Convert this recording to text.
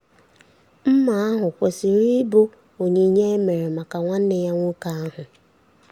Mma ahụ kwesịrị ịbụ onyinye e mere maka nwanne ya nwoke ahụ.